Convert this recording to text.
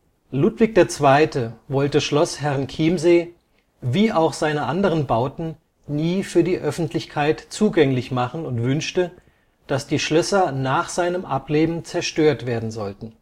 Ludwig II. wollte Schloss Herrenchiemsee, wie auch seine anderen Bauten, nie für die Öffentlichkeit zugänglich machen und wünschte, dass die Schlösser nach seinem Ableben zerstört werden sollten